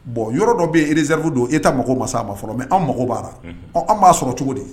Bon yɔrɔ dɔ bɛ eerzeridu don e ta mako masa a ma fɔlɔ mɛ anw mago b' an b'a sɔrɔ cogo di